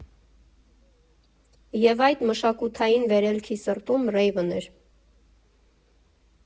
Եվ այդ մշակութային վերելքի սրտում ռեյվն էր։